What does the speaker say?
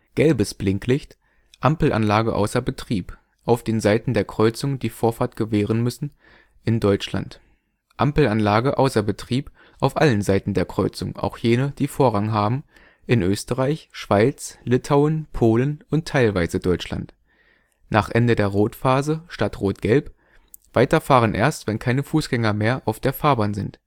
Gelbes Blinklicht: Ampelanlage außer Betrieb, auf den Seiten der Kreuzung, die Vorfahrt gewähren müssen, in Deutschland Ampelanlage außer Betrieb, auf allen Seiten der Kreuzung, auch jene, die Vorrang haben, in Österreich, Schweiz, Litauen, Polen und teilweise Deutschland. Nach Ende der Rotphase, statt Rot-Gelb: Weiterfahren erst, wenn keine Fußgänger mehr auf der Fahrbahn sind